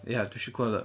Ia dwi isio clywed o.